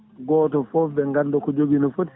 goto foof ɓe ganda ko jogui no foti